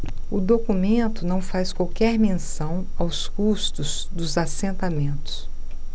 o documento não faz qualquer menção aos custos dos assentamentos